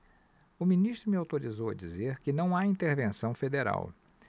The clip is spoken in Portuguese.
o ministro me autorizou a dizer que não há intervenção federal